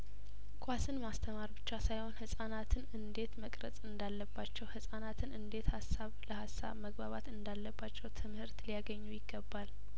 ኳስን ማስተማር ብቻ ሳይሆን ህጻናትን እንዴት መቅረጽ እንዳለባችው ህጻናትን እንዴት ሀሳብ ለሀሳብ መግባባት እንዳለባቸው ትምህርት ሊያገኙ ይገባል